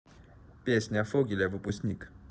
песня фогеля выпускник